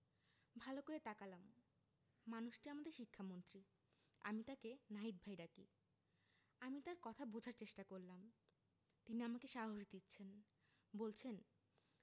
ভালো করে তাকালাম মানুষটি আমাদের শিক্ষামন্ত্রী আমি তাকে নাহিদ ভাই ডাকি আমি তার কথা বোঝার চেষ্টা করলাম তিনি আমাকে সাহস দিচ্ছেন বলছেন